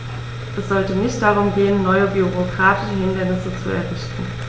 Es sollte nicht darum gehen, neue bürokratische Hindernisse zu errichten.